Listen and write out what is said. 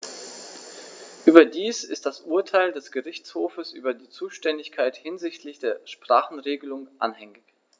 Überdies ist das Urteil des Gerichtshofes über die Zuständigkeit hinsichtlich der Sprachenregelung anhängig.